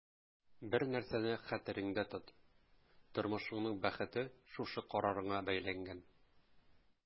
Бер нәрсәне хәтерендә тот: тормышыңның бәхете шушы карарыңа бәйләнгән.